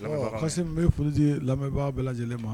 Ɔn lamɛbaga Kassim n bɛ foli dii lamɛbaa bɛɛ lajɛlen ma